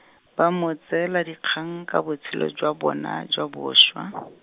ba mo tseela dikgang ka botshelo jwa bona jwa bošwa.